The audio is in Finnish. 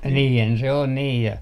niinhän se on niin ja